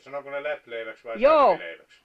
sanoiko ne läpileiväksi vai sarvileiväksi